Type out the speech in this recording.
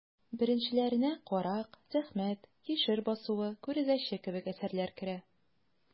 Беренчеләренә «Карак», «Зәхмәт», «Кишер басуы», «Күрәзәче» кебек әсәрләр керә.